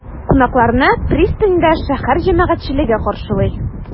Кунакларны пристаньда шәһәр җәмәгатьчелеге каршылый.